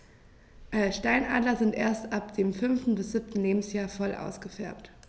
Steinadler sind erst ab dem 5. bis 7. Lebensjahr voll ausgefärbt.